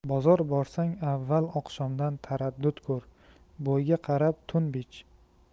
bozor borsang avval oqshomdan taraddud ko'r bo'yga qarab to'n bich